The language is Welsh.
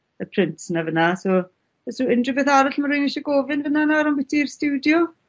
y prints 'na fyna so o's ryw unrhywbeth arall ma' rywun isie gofyn fyn 'na nawr ambytu'r stiwdio?